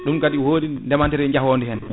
ɗum kadi wodi ndeemanteri jaahodi hen